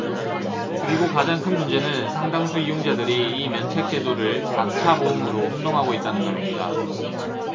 그리고 가장 큰 문제는 상당수 이용자들이 이 면책제도를 자차보험으로 혼동하고 있다는 점입니다